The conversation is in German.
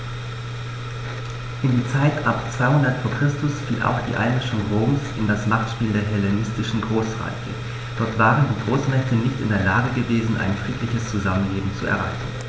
In die Zeit ab 200 v. Chr. fiel auch die Einmischung Roms in das Machtspiel der hellenistischen Großreiche: Dort waren die Großmächte nicht in der Lage gewesen, ein friedliches Zusammenleben zu erreichen.